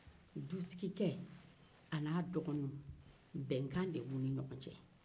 dutigikɛ an'a dɔgɔninw bɛnkan de b'u ni ɲɔgɔn cɛ